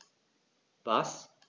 Was?